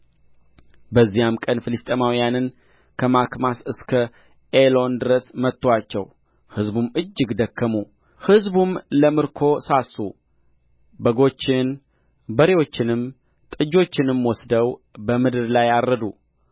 በዚያም ቀን ፍልስጥኤማውያንን ከማክማስ እስከ ኤሎን ድረስ መቱአቸው ሕዝቡም እጅግ ደከሙ ሕዝቡም ለምርኮ ሳሱ በጎችን በሬዎችንም ጥጆችንም ወስደው በምድር ላይ አረዱ